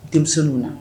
Denmisɛnww na